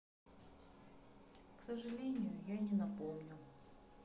к сожалению я не напомню